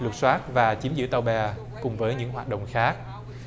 lục soát và chiếm giữ tàu bè cùng với những hoạt động khác